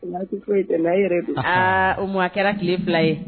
Foyi yɛrɛ aa o ma kɛra tile fila ye